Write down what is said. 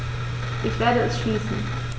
Ich werde es schließen.